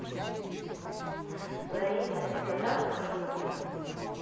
взаимность это так круто